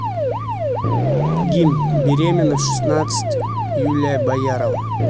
гимн беременна в шестнадцать юлия боярова